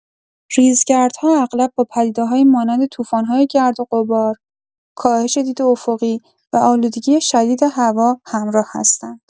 ریزگردها اغلب با پدیده‌هایی مانند طوفان‌های گرد و غبار، کاهش دید افقی و آلودگی شدید هوا همراه هستند.